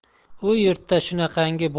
u yurtda shunaqangi